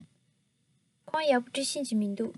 ཁོས ཡག པོ འབྲི ཤེས ཀྱི མིན འདུག